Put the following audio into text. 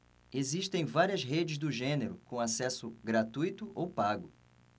existem várias redes do gênero com acesso gratuito ou pago